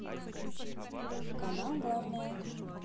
канал главная